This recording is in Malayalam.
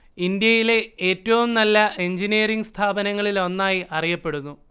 ഇന്ത്യയിലെ ഏറ്റവും നല്ല എഞ്ചിനീയറിങ് സ്ഥാപനങ്ങളിൽ ഒന്നായി അറിയപ്പെടുന്നു